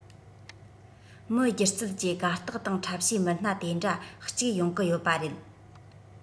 མི སྒྱུ རྩལ གྱི གར སྟེགས སྟེང འཁྲབ བྱའི མི སྣ དེ འདྲ གཅིག ཡོང གི ཡོད པ རེད